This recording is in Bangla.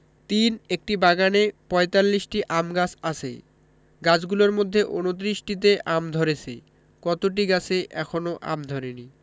৩ একটি বাগানে ৪৫টি আম গাছ আছে গাছগুলোর মধ্যে ২৯টিতে আম ধরেছে কতটি গাছে এখনও আম ধরেনি